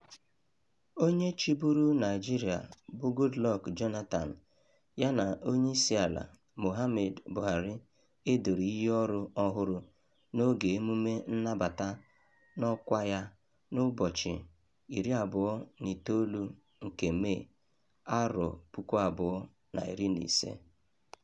Onye chịburu Naịjirịa bụ Goodluck Jonathan ya na Onyeisiala Muhammadu Buhari e doro iyi ọrụ ọhụrụ n'oge emume nnabata n'ọkwa ya n'ụbọchị 29 nke Mee, 2015.